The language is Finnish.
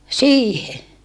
siihen